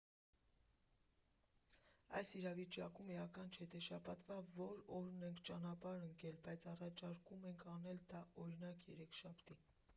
Այս իրավիճակում էական չէ, թե շաբաթվա որ օրն եք ճանապարհ ընկնել, բայց առաջարկում ենք անել դա, օրինակ՝ երեքշաբթի։